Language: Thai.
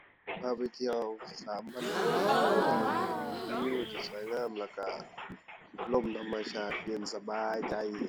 พาไปเที่ยวสามพันโบก เพราะว่ามีวิวที่สวยงามแล้วก็ลมธรรมชาติเย็นสบายใจ